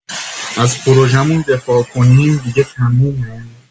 از پروژه‌مون دفاع کنیم دیگه تمومه؟